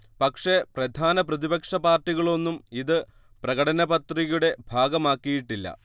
പക്ഷേ പ്രധാന പ്രതിപക്ഷ പാർട്ടികളൊന്നും ഇത് പ്രകടനപത്രികയുടെ ഭാഗമാക്കിയിട്ടില്ല